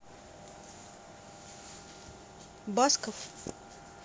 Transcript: басков